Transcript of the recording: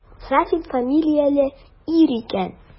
Сафин фамилияле ир икән.